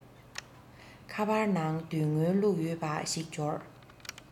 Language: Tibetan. ཁ པར ནང དོན དངུལ བླུག ཡོད ཞེས པ ཞིག འབྱོར